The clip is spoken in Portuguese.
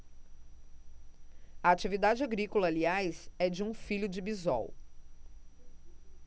a atividade agrícola aliás é de um filho de bisol